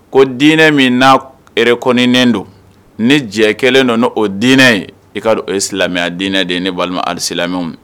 Ko dinɛ min n'a reconnu ne don, ni diɲɛ kɛlen don n'o dinɛ ye, i ka dɔn o ye alisilamɛya dinɛ de ye ne baden alisilamɛw.